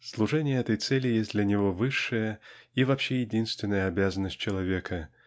Служение этой цели есть для него высшая и вообще единственная обязанность человека